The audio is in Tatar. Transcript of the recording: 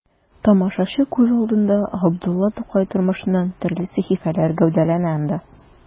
Тамашачы күз алдында Габдулла Тукай тормышыннан төрле сәхифәләр гәүдәләнә анда.